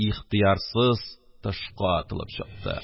Ихтыярсыз тышка атылып чыкты.